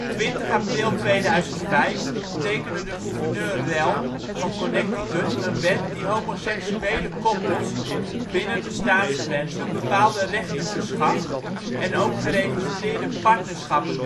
20 april 2005 tekende de gouverneur Rell van Connecticut een wet die homoseksuele koppels binnen de staatsgrenzen bepaalde rechten verschaft en ook geregistreerde partnerschappen